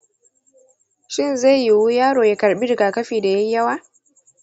shin zai yiwu yaro ya karɓi rigakafi da ya yi yawa?